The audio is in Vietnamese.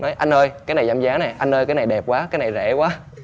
anh ơi cái này giảm giá này anh ơi cái này đẹp quá cái này rẻ quá